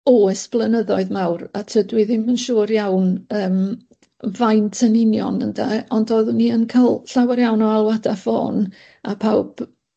Oes blynyddoedd mawr a tydw i ddim yn siŵr iawn yym faint yn union ynde ond oddwn i yn ca'l llawer iawn o alwada ffôn a pawb